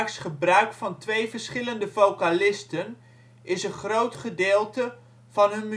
's gebruik van twee verschillende vocalisten is een groot gedeelte van hun